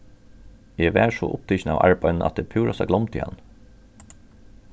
eg var so upptikin av arbeiðinum at eg púrasta gloymdi hann